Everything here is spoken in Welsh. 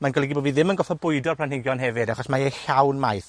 Mae'n golygu bo' fi ddim yn goffod bwydo'r planhigion hefyd, achos mae e llawn maith.